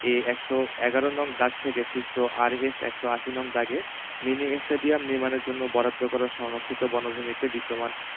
এ ১১১ নং দাগ থেকে সৃষ্ট আরএস ১৮০ নং দাগে মিনি স্টেডিয়াম নির্মাণের জন্য বরাদ্দ করা সংরক্ষিত বনভূমিতে বিদ্যমান